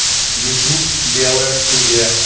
ютюб белая студия